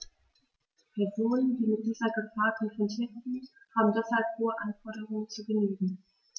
Personen, die mit dieser Gefahr konfrontiert sind, haben deshalb hohen Anforderungen zu genügen.